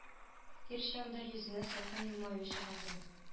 Ир чандыр йөзенә салкын елмаю чыгарды